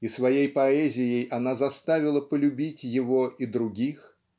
и своей поэзией она заставила полюбить его и других.